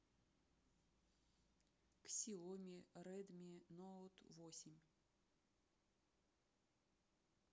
ксиоми редми ноут восемь